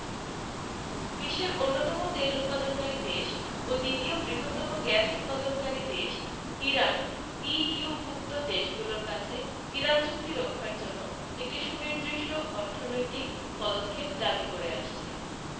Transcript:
বিশ্বের অন্যতম তেল উৎপাদনকারী দেশ ও দ্বিতীয় বৃহত্তম গ্যাস উৎপাদনকারী দেশ ইরান ইইউভুক্ত দেশগুলোর কাছে ইরান চুক্তি রক্ষার জন্য একটি সুনির্দিষ্ট অর্থনৈতিক পদক্ষেপ দাবি করে আসছে